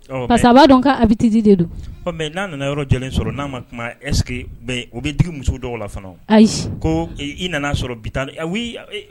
Ɔ mais parce que a b'a dɔn k'a habitude de don ɔ mais n'a nana yɔrɔ jɛlen sɔrɔ n'a ma kuma est ce que be o be digi muso dɔw la fana o ayi koo e i nana sɔrɔ bi ta de e oui awe